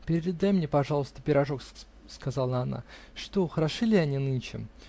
-- Передай мне, пожалуйста, пирожок, -- сказала она. -- Что, хороши ли они нынче?